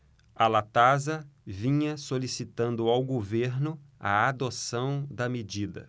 a latasa vinha solicitando ao governo a adoção da medida